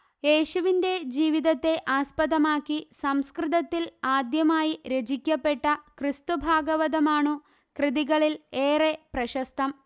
യേശുവിന്റെ ജീവിതത്തെ ആസ്പദമാക്കി സംസ്കൃതത്തിൽ ആദ്യമായി രചിക്കപ്പെട്ട ക്രിസ്തുഭാഗവതമാണു കൃതികളിൽ ഏറെ പ്രശസ്തം